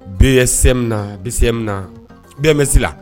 Bɛɛ semina na bɛ semina bɛ bɛsi la